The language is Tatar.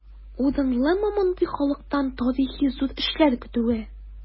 Урынлымы мондый халыктан тарихи зур эшләр көтүе?